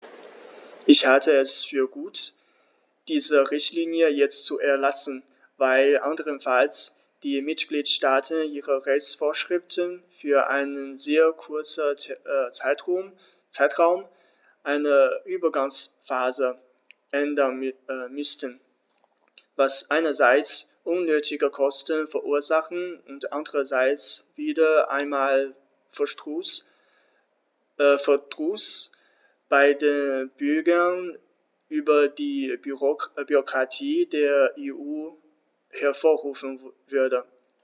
Ich halte es für gut, diese Richtlinie jetzt zu erlassen, weil anderenfalls die Mitgliedstaaten ihre Rechtsvorschriften für einen sehr kurzen Zeitraum, eine Übergangsphase, ändern müssten, was einerseits unnötige Kosten verursachen und andererseits wieder einmal Verdruss bei den Bürgern über die Bürokratie der EU hervorrufen würde.